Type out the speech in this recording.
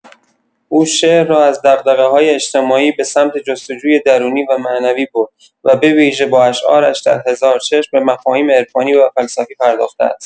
او شعر را از دغدغه‌های اجتماعی به سمت جست‌وجوی درونی و معنوی برد و به‌ویژه با اشعارش در «هزار چشم» به مفاهیم عرفانی و فلسفی پرداخته است.